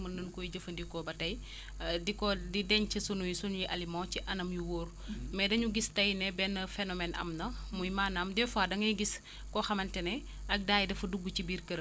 mën nañu koy jëfandikoo ba tey di ko di denc suñuy suñuy aliments ci anam yu wóor mais dañu gis tey ne benn phénomène am na muy maanaam des fois da ngay gis koo xamante ne ab daay dafa dugg ci biir këram